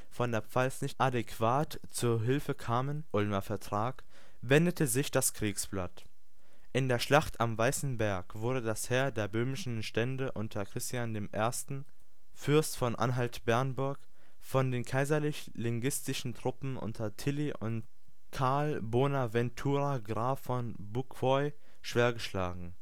von der Pfalz nicht adäquat zu Hilfe kamen (Ulmer Vertrag), wendete sich das Kriegsblatt. In der Schlacht am Weißen Berg wurde das Heer der böhmischen Stände unter Christian I., Fürst von Anhalt-Bernburg, von den kaiserlich-ligistischen Truppen unter Tilly und Karl Bonaventura Graf von Buquoy schwer geschlagen